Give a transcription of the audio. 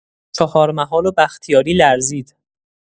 چهارمحال و بختیاری لرزید.